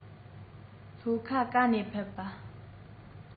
ལྷོ ཁ ག ནས ཕེབས པྰ